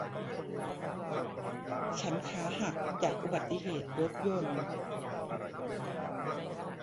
ฉันขาหักจากอุบัติเหตุรถยนต์